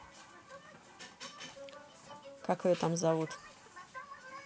как ее там зовут